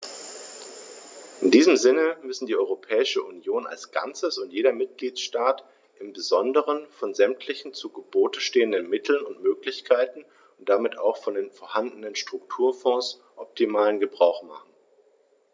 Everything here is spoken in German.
In diesem Sinne müssen die Europäische Union als Ganzes und jeder Mitgliedstaat im besonderen von sämtlichen zu Gebote stehenden Mitteln und Möglichkeiten und damit auch von den vorhandenen Strukturfonds optimalen Gebrauch machen.